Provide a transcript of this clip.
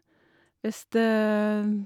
Hvis det...